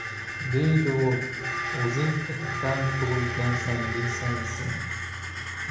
deydi u o'zing itdan tug'ilgansan deysan sen